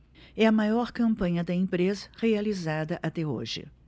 é a maior campanha da empresa realizada até hoje